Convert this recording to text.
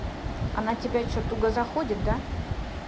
она тебя че туго заходит да